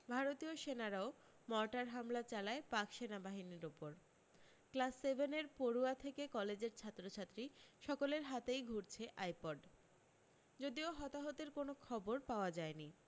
ভারতীয় সেনারাও মর্টার হামলা চালায় পাক সেনা বাহিনীর উপর ক্লাস সেভেনের পড়ুয়া থেকে কলেজের ছাত্রছাত্রী সকলের হাতেই ঘুরছে আইপড যদিও হতাহতের কোনও খবর পাওয়া যায়নি